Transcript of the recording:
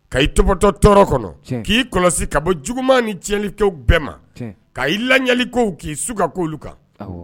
Ka i toptɔ tɔɔrɔ kɔnɔ k'i kɔlɔsi ka bɔ juguman ni tiɲɛnli tɛ bɛɛ ma ka i lali ko k'i su ka koolu kan